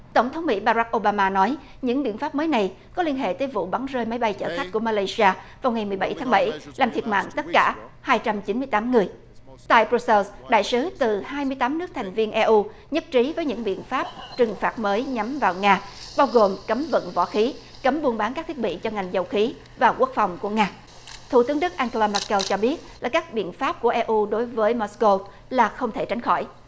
tổng thống mỹ ba rắc ô ba ma nói những biện pháp mới này có liên hệ tới vụ bắn rơi máy bay chở khách của ma lai si a vào ngày mười bảy tháng bảy làm thiệt mạng tất cả hai trăm chín mươi tám người tại trụ sở đại sứ từ hai mươi tám nước thành viên e u nhất trí với những biện pháp trừng phạt mới nhắm vào nga bao gồm cấm vận vỏ khí cấm buôn bán các thiết bị cho ngành dầu khí và quốc phòng của nga thủ tướng đức an ghe la mơ keo cho biết các biện pháp của e u đối với mót câu là không thể tránh khỏi